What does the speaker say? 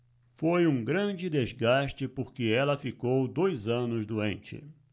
foi um grande desgaste porque ela ficou dois anos doente